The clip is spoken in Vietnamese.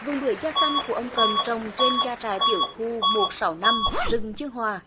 vườn bưởi da xanh của ông cần trồng trên gia trại tiểu khu một sáu năm rừng dương hòa